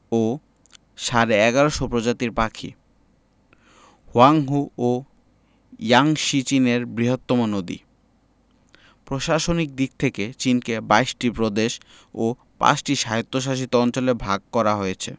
ও সাড়ে ১১শ প্রজাতির পাখি হোয়াংহো ও ইয়াংসি চীনের বৃহত্তম নদী প্রশাসনিক দিক থেকে চিনকে ২২ টি প্রদেশ ও ৫ টি স্বায়ত্তশাসিত অঞ্চলে ভাগ করা হয়েছে